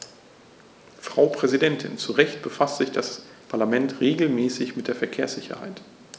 Frau Präsidentin, zu Recht befasst sich das Parlament regelmäßig mit der Verkehrssicherheit.